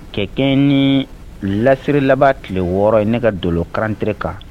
Kɛ kɛɲɛ nii lasiri laban tile 6 ye ne ka dolo calendrier kan